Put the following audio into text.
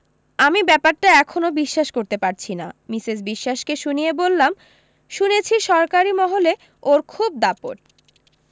আমি ব্যাপারটা এখনও বিশ্বাস করতে পারছি না মিসেস বিশোয়াসকে শুনিয়ে বললাম শুনেছি সরকারী মহলে ওর খুব দাপট